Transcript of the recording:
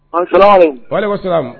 An sara ba sira